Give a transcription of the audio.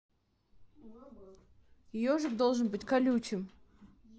ежик должен быть колючим